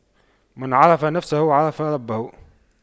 من عرف نفسه عرف ربه